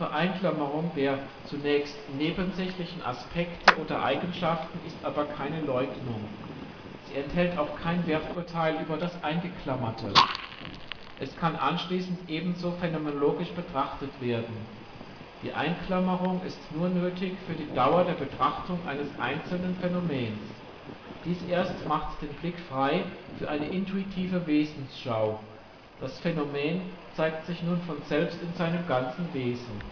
Einklammerung der (zunächst) nebensächlichen Aspekte oder Eigenschaften ist aber keine Leugnung. Sie enthält auch kein Werturteil über das Eingeklammerte. Es kann anschließend ebenso phänomenologisch betrachtet werden. Die Einklammerung ist nur nötig für die Dauer der Betrachtung eines einzelnen Phänomens. Dies erst macht den Blick frei für eine intuitive Wesensschau. Das Phänomen zeigt sich nun von selbst in seinem ganzen Wesen